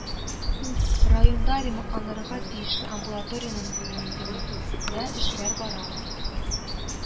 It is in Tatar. Районда ремонтланырга тиешле амбулаторийның бүген ендә эшләр бара